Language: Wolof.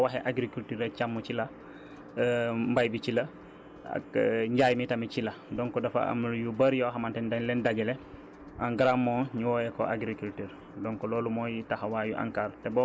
boo waxee agriculture rekk càmm ci la mbay bi ci la ak njaay mi tamit ci la donc dafa am yu bëri yoo xamante ne dañ leen dajale en grand mot ñu woowee ko agriculture donc loolu mooy taxawaayu ANCAR